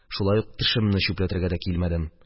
Шулай ук тешемне чүпләтергә дә килмәдем.